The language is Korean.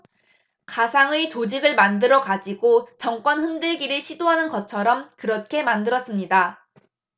가상의 조직을 만들어 가지고 정권 흔들기를 시도하는 것처럼 그렇게 만들었습니다